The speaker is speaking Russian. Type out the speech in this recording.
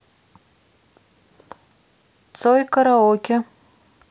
цой караоке